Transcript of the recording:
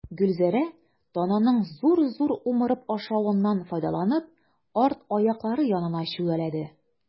Гөлзәрә, тананың зур-зур умырып ашавыннан файдаланып, арт аяклары янына чүгәләде.